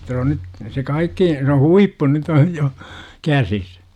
jotta se on nyt se kaikki se huippu nyt on jo käsissä